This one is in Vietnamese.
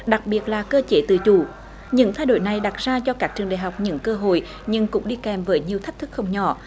đặc biệt là cơ chế tự chủ những thay đổi này đặt ra cho các trường đại học những cơ hội nhưng cũng đi kèm với nhiều thách thức không nhỏ